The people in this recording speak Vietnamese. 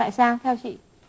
tại sao theo chị